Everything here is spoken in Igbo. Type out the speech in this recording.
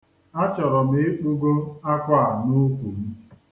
A chọrọ m ịkpugo akwa a n'ukwu m